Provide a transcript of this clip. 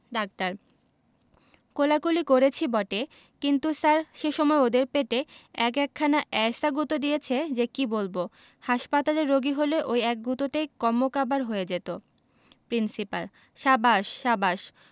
doctor কোলাকুলি করেছি বটে কিন্তু স্যার সে সময় ওদের পেটে এক একখানা এ্যায়সা গুঁতো দিয়েছে যে কি বলব হাসপাতালের রোগী হলে ঐ এক গুঁতোতেই কন্মকাবার হয়ে যেত প্রিন্সিপাল সাবাস সাবাস